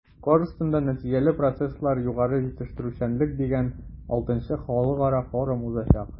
“корстон”да “нәтиҗәле процесслар-югары җитештерүчәнлек” дигән vι халыкара форум узачак.